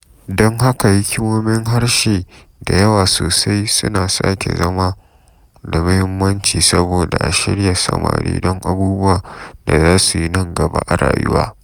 Don haka hikimomin harshe da yawa sosai suna sake zama da muhimmanci saboda a shirya samari don abubuwan da za su yi nan gaba a rayuwa.